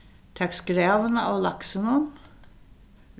tak skræðuna av laksinum